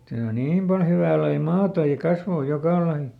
tämä on niin paljon hyvää lajia maata ja kasvaa joka laji